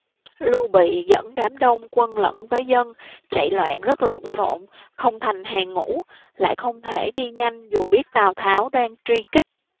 lưu bị dẫn đám đông quân lẫn với dân chạy loạn rất lộn xộn không thành hàng ngũ lại không thể đi nhanh dù biết tào tháo đang truy kích